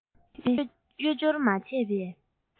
དེ ནི གཡོས སྦྱོར མ བྱས པའི